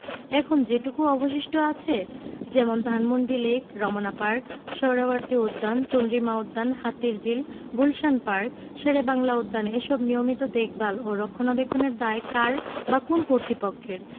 এখন যেটুকু অবশিষ্ট আছে যেমন ধানমন্ডি লেক রমনা পার্ক সোহ্রাওয়ার্দী উদ্যান চন্দ্রিমা উদ্যান হাতিরঝিল গুলশান পার্ক শেরেবাংলা উদ্যান এসব নিয়মিত দেখভাল ও রক্ষণাবেক্ষণের দায় কার বা কোন্ কর্তৃপক্ষের